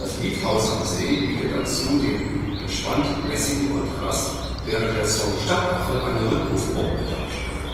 Lied Haus am See biete dazu „ den entspannt lässigen Kontrast “, während der Song Stadtaffe eine „ Rhythmus-Bombe “darstelle